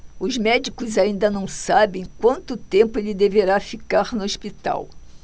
os médicos ainda não sabem quanto tempo ele deverá ficar no hospital